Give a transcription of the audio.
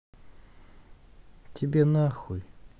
тебе на хуй